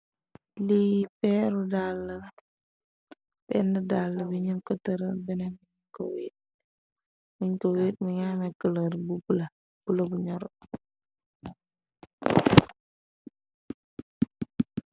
Lii peeru dàlla penn dàll bi ñam ko tëral bena min ko weet muñ ko wéet mingamekler bu pla bu la bu ñoro.